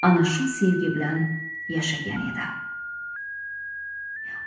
ana shu sevgi bilan yashagan edi